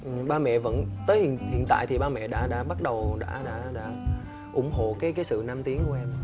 ừm ba mẹ vẫn tới hiện tại thì ba mẹ đã đã bắt đầu đã đã ủng hộ cái sự nam tiến của em